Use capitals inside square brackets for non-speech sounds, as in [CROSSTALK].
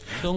[HESITATION] [HESITATION]